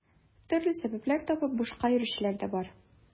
Төрле сәбәпләр табып бушка йөрүчеләр дә бар.